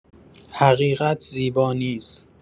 حقیقت زیبا نیست.